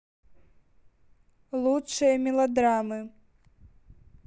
лучшие мелодрамы